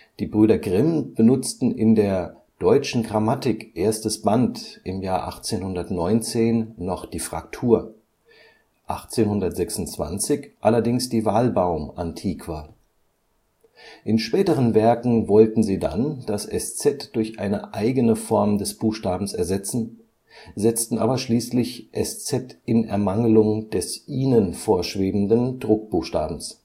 Die Brüder Grimm benutzten in der „ Deutschen Grammatik 1. Band “im Jahr 1819 noch die Fraktur, 1826 allerdings die Walbaum-Antiqua. In späteren Werken wollten sie dann das Eszett durch eine eigene Form des Buchstabens ersetzen, setzen aber schließlich sz in Ermangelung des ihnen vorschwebenden Druckbuchstabens